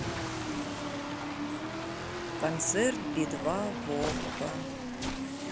концерт би два в окко